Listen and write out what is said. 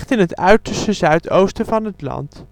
het uiterste zuidoosten van het land